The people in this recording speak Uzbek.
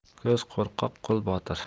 ko'z qo'rqoq qoi botir